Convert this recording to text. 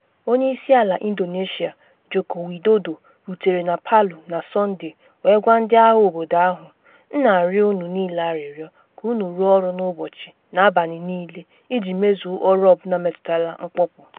Onye isi ala Indonesia Joko Widodo rutere na Palu na Sọnde wee gwa ndị agha obodo ahụ: “M na arịọ unu niile arịọrọ ka unu rụọ ọrụ n’ụbọchị na abalị niile iji mezuo ọrụ ọ bụla metụtara mkpopu.